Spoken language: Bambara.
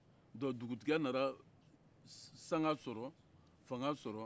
donke dugutigiya nana sanga sɔrɔ fanga sɔrɔ